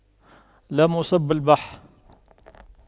لم أصب بالبح